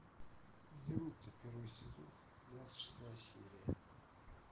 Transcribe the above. наруто первый сезон двадцать шестая серия